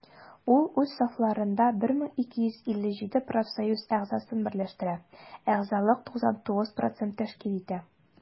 Ул үз сафларында 1257 профсоюз әгъзасын берләштерә, әгъзалык 99 % тәшкил итә.